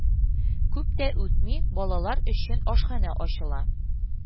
Күп тә үтми, балалар өчен ашханә ачыла